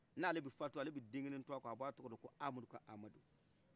n'ale bi fatu alebi den kelen to a kɔ a tɔgɔda ko amaduka amadu